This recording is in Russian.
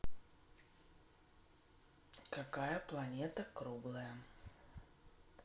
какая планета круглая